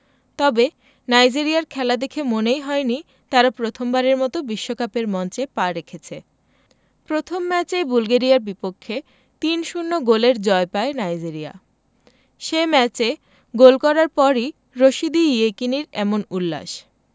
তবে নাইজেরিয়ার খেলা দেখে মনেই হয়নি তারা প্রথমবারের মতো বিশ্বকাপের মঞ্চে পা রেখেছে প্রথম ম্যাচেই বুলগেরিয়ার বিপক্ষে ৩ ০ গোলের জয় পায় নাইজেরিয়া সে ম্যাচে গোল করার পরই রশিদী ইয়েকিনির এমন উল্লাস